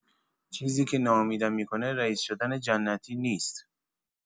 چیزی که ناامیدم می‌کنه رییس شدن جنتی نیست.